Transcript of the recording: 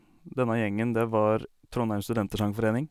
Denne gjengen det var Trondheim Studentersangforening.